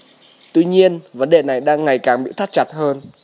tuy nhiên vấn đề này đang ngày càng bị thắt chặt hơn